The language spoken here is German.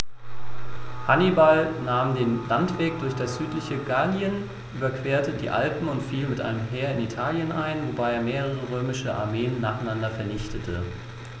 Hannibal nahm den Landweg durch das südliche Gallien, überquerte die Alpen und fiel mit einem Heer in Italien ein, wobei er mehrere römische Armeen nacheinander vernichtete.